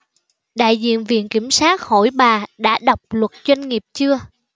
đại diện viện kiểm sát hỏi bà đã đọc luật doanh nghiệp chưa